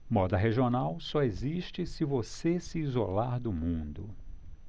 moda regional só existe se você se isolar do mundo